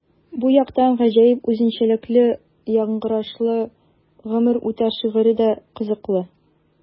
Бу яктан гаҗәеп үзенчәлекле яңгырашлы “Гомер үтә” шигыре дә кызыклы.